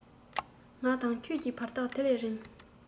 ང དང ཁྱོད ཀྱི བར ཐག དེ ལས རིང